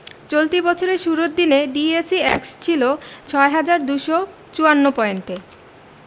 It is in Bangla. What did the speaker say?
চলতি বছরের শুরুর দিনে ডিএসইএক্স ছিল ৬ হাজার ২৫৪ পয়েন্টে